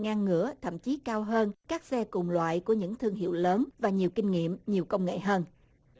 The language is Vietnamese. ngang ngửa thậm chí cao hơn các xe cùng loại của những thương hiệu lớn và nhiều kinh nghiệm nhiều công nghệ hơn